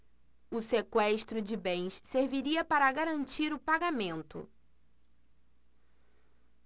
o sequestro de bens serviria para garantir o pagamento